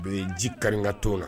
U yen ji karika to na